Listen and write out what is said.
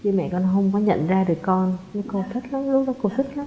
chứ mẹ con không có nhận ra được con cô thích lắm lúc đó cô thích lắm